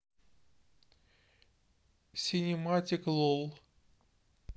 синематик лол